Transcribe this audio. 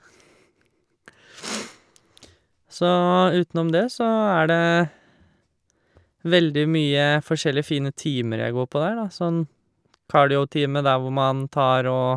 Så utenom det så er det veldig mye forskjellige fine timer jeg går på der, da, sånn cardio-time der hvor man tar og...